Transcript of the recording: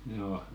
joo